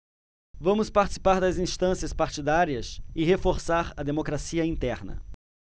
vamos participar das instâncias partidárias e reforçar a democracia interna